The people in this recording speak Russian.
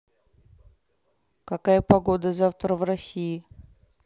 какая погода завтра в россии